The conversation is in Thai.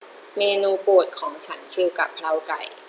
เมนูโปรดของฉันคือกะเพราไก่